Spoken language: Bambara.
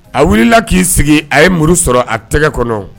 A wulila k'i sigi a ye muru sɔrɔ a tɛgɛ kɔnɔ